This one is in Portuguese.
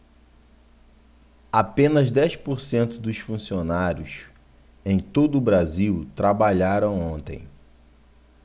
apenas dez por cento dos funcionários em todo brasil trabalharam ontem